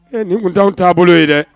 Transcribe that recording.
Ninkuntan t'a bolo ye dɛ